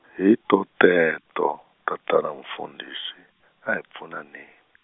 hi toteto tatana mufundhisi, a hi pfunaneni.